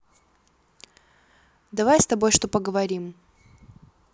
давай с тобой что поговорим